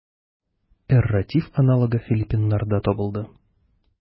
Эрратив аналогы филиппиннарда табылды.